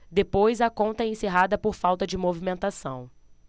depois a conta é encerrada por falta de movimentação